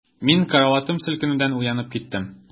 Мин караватым селкенүдән уянып киттем.